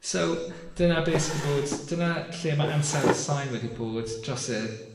so dyna be' sy 'di bod dyna lle ma' ansawdd y sain wedi bod dros y